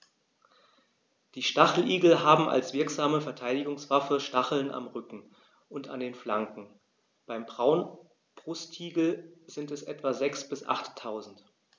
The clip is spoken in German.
Die Stacheligel haben als wirksame Verteidigungswaffe Stacheln am Rücken und an den Flanken (beim Braunbrustigel sind es etwa sechs- bis achttausend).